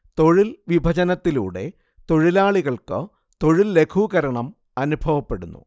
തൊഴിൽ വിഭജനത്തിലൂടെ തൊഴിലാളികൾക്ക് തൊഴിൽ ലഘൂകരണം അനുഭവപ്പെടുന്നു